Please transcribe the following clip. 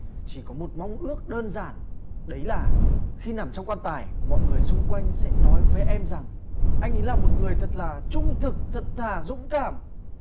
chỉ có một mong ước đơn giản đấy là khi nằm trong quan tài mọi người xung quanh sẽ nói với em rằng anh ấy là một người thật là trung thực thật thà dũng cảm